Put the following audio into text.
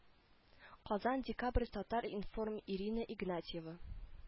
Казан декабрь татар-информ ирина игнатьева